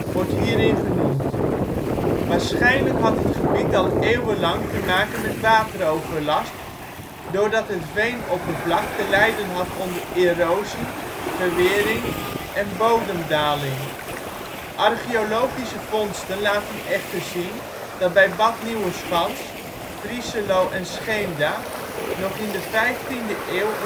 wordt hierin genoemd. Waarschijnlijk had het gebied al eeuwenlang te maken met wateroverlast, doordat het veenoppervlak te lijden had onder erosie, verwering en bodemdaling (klink). Archeologische vondsten laten echter zien dat bij Bad Nieuweschans, Vriescheloo en Scheemda nog in de vijftiende eeuw